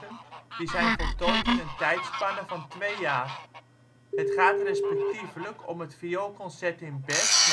die zijn voltooid in een tijdspanne van twee jaar. Het gaat respectievelijk om het Vioolconcert in Bes